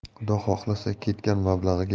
xudo xohlasa ketgan mablag'iga